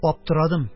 Аптырадым.